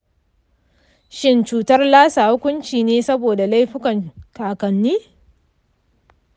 shin cutar lassa hukunci ne saboda laifukan kakanni?